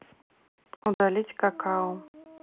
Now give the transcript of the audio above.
удалить какао